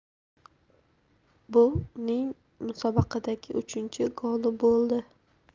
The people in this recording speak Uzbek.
bu uning musobaqadagi uchinchi goli bo'ldi